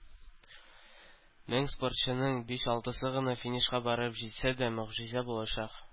Мең спортчының биш-алтысы гына финишка барып җитсә дә, могҗиза булачак.